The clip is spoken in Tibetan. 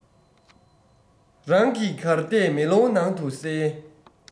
རང གིས གར བལྟས མེ ལོང ནང དུ གསལ